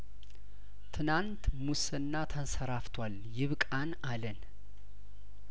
ትናንት ሙስና ተንሰራፍቷል ይብቃን አልን